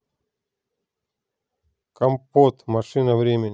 компот машина времени